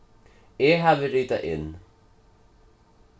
eg havi ritað inn